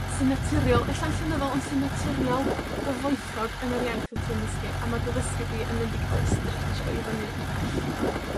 sy'n naturiol ella'n llenyddol, ond sy'n naturiol, gyfoethog yn yr iaith wt ti'n ddysgu, a ma' dy ddysgu di yn mynd i ga'l 'i strets io i fyny yn bell fel 'ma.